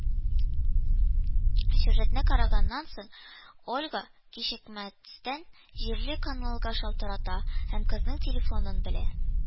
Сюжетны караганнан соң, Ольга кичекмәстән җирле каналга шалтырата һәм кызның телефонын белә